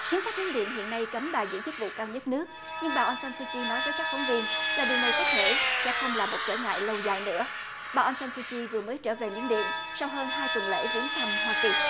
hiến pháp miến điện hiện nay cấm bà giữ chức vụ cao nhất nước nhưng bà on san su chi nói với các phóng viên là điều này có thể sẽ không làm một trở ngại lâu dài nữa bà on san su chi vừa mới trở về miến điện sau hơn hai tuần lễ viếng thăm hoa kỳ